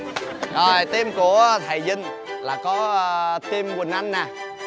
rồi tim của thầy vinh là có tim quỳnh anh nà